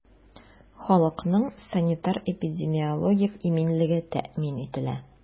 Халыкның санитар-эпидемиологик иминлеге тәэмин ителә.